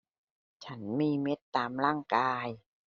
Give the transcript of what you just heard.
ฉันมีเม็ดตามร่างกาย